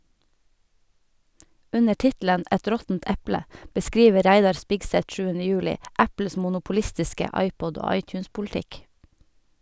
Under tittelen "Et råttent eple" beskriver Reidar Spigseth 7. juli Apples monopolistiske iPod- og iTunes-politikk.